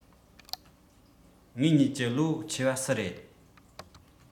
ངེད གཉིས ཀྱི ལོ ཆེ བ སུ རེད